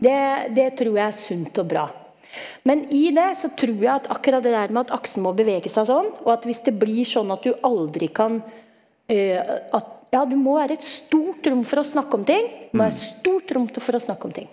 det det tror jeg er sunt og bra, men i det så tror jeg at akkurat det der med at aksen må bevege seg sånn og at hvis det blir sånn at du aldri kan at ja du må være i et stort rom for å snakke om ting må være stort rom for å snakke om ting.